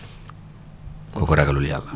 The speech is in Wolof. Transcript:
kooku ragalul yàlla